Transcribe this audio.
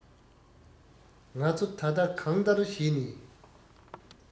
ང ཚོ ད ལྟ གང ལྟར བྱས ནས